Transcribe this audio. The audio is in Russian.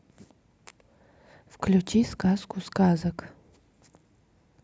включи сказку сказок